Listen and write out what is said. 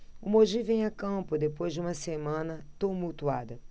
o mogi vem a campo depois de uma semana tumultuada